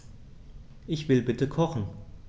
Ich will bitte kochen.